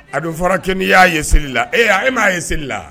A dun fɔra kɛ n'i y'a ye seli la e e m'a ye seli la